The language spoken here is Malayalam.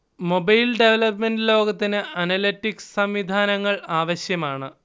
മൊബൈൽ ഡെവലപ്പ്മെന്റ് ലോകത്തിന് അനലറ്റിക്സ് സംവിധാനങ്ങൾ ആവശ്യമാണ്